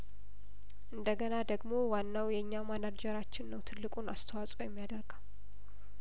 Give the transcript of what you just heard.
እንደ ገና ደግሞ ዋናው የኛ ማናጀ ራችን ነው ትልቁን አስተዋጽኦ የሚያደርገው